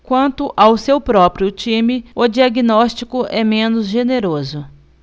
quanto ao seu próprio time o diagnóstico é menos generoso